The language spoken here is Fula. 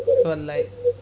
wallay